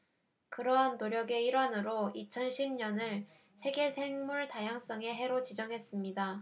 그러한 노력의 일환으로 이천 십 년을 세계 생물 다양성의 해로 지정했습니다